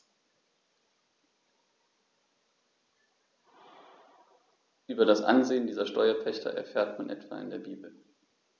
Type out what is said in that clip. Über das Ansehen dieser Steuerpächter erfährt man etwa in der Bibel.